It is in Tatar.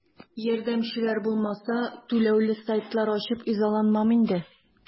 Ярдәмчеләр булмаса, түләүле сайтлар ачып изаланмам инде.